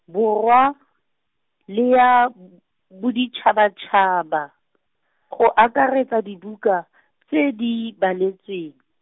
borwa, le ya boditshabatshaba, go akaretsa dibuka , tse di baletswe .